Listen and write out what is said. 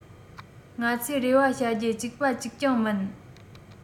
ང ཚོས རེ བ བྱ རྒྱུ གཅིག པ གཅིག རྐྱང མིན